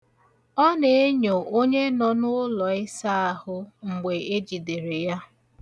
Ọ na-enyo onye nọ n'ụlọịsaahụ mgbe e jidere ya.